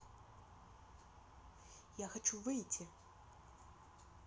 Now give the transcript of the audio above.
я хочу выйти